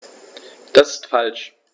Das ist falsch.